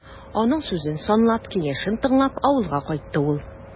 Аның сүзен санлап, киңәшен тыңлап, авылга кайтты ул.